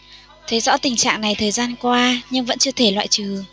thấy rõ tình trạng này thời gian qua nhưng vẫn chưa thể loại trừ